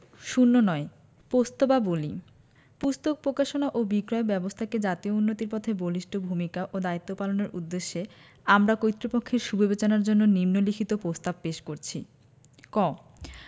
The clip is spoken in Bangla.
০৯ প্রস্তাবাবলী পুস্তক প্রকাশনা ও বিক্রয় ব্যাবস্থাকে জাতীয় উন্নতির পথে বলিষ্ঠ ভূমিকা ও দায়িত্ব পালনের উদ্দেশ্যে আমরা কর্তৃপক্ষের সুবিবেচনার জন্য নিন্ম লিখিত প্রস্তাব পেশ করছি ক